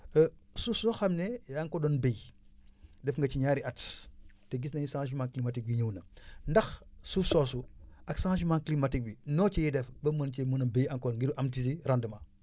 suuf soo xam ne yaa ngi ko doon bay def nga si ñaari at te gis nañu changement climatique bi ñëw na ndax suuf soosu ak changement climatique bi noo ko ciy def ba mën cee mën a bay encore ngir am ci rendement